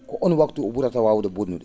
ko oon waktu o ?urata waawde bonnude